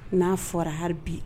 N'a fɔra ha bi